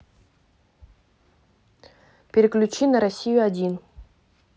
переключи на россию один